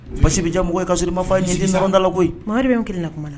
Basi bɛ diya mɔgɔ ye k'a sɔrɔ i ma Muhamadi bɛ an kelenna kuma na?